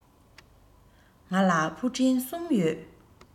ང ལ ཕུ འདྲེན གསུམ ཡོད